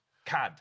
cad.